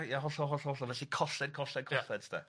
Felly colled, colled, colled de. Ia.